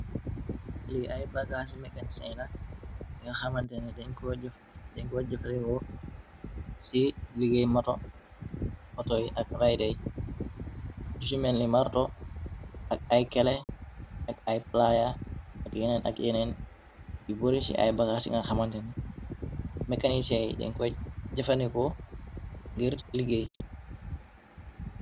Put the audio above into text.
Li ay baggaa ci mekanisin la yi nga xamante ni deñkoy jëfaniko ci liggéey motoy ak ryday dusumenli marto ak ay kele ak ay plya ak yeneen ak yeneen yu bori ci ay bagaas ci nga xamante ni mekanisey diñkoy jëfaniko ngir liggéey.